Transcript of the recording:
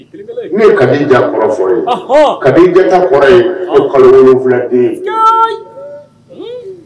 Ne ye kaja kɔrɔfɔ ye ka jata kɔrɔ ye kalowula den ye